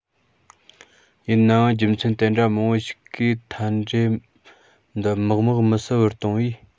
ཡིན ནའང རྒྱུ མཚན དེ འདྲ མང པོ ཞིག གིས མཐའ འབྲས འདི མག མོག མི གསལ བར གཏོང བས